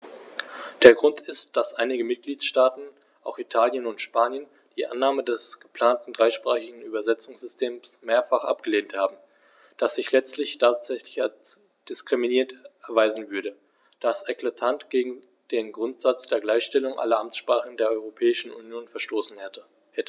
Der Grund ist, dass einige Mitgliedstaaten - auch Italien und Spanien - die Annahme des geplanten dreisprachigen Übersetzungssystems mehrfach abgelehnt haben, das sich letztendlich tatsächlich als diskriminierend erweisen würde, da es eklatant gegen den Grundsatz der Gleichstellung aller Amtssprachen der Europäischen Union verstoßen hätte.